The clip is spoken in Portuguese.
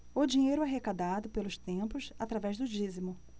o dinheiro é arrecadado pelos templos através do dízimo